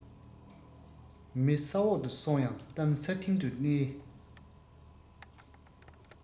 མི ས འོག དུ སོང ཡང གཏམ ས སྟེང དུ གནས